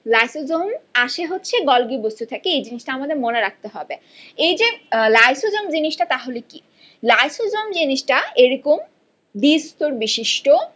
lysosome আসে হচ্ছে Golgi বস্তু থেকে এ জিনিসটা আমাদের মনে রাখতে হবে এই যে লাইসোজোম জিনিসটা তাহলে কি লাইসোজোম জিনিসটা এরকম দ্বি-স্তরবিশিষ্ট